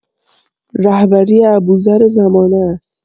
رهبری ابوذر زمانه است.